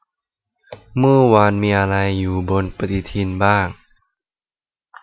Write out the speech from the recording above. เมื่อวานมีอะไรอยู่บนปฎิทินบ้าง